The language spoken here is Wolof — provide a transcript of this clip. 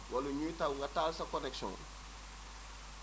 wala ñuy taw nga taal sa connexion